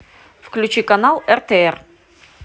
включи канал ртр